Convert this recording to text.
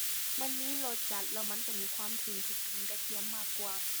มันมีรสจัดแล้วมันก็มีความถึงพริกถึงกระเทียมมากกว่า